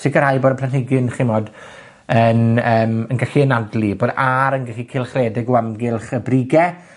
Sicirhau bod y planhigyn chi 'mod, yn yym yn gallu anadlu, bod a'r yn gallu cylchredeg o amgylch y brige,